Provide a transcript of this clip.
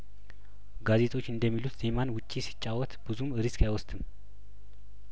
ጋዜጦች እንደሚሉት ዜማን ውጪ ሲጫወት ብዙም ሪስክ አይወስድም